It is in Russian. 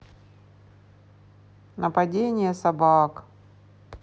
нападение собак